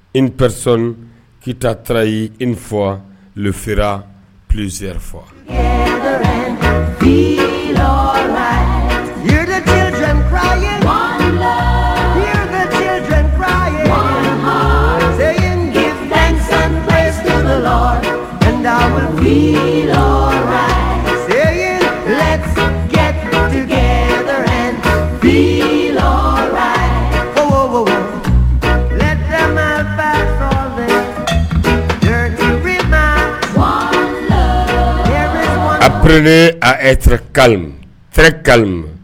Itoson kita taara y ye in fɔ sira psɛfa segin sego tile kɔfɛ kɔfɛ aur akaka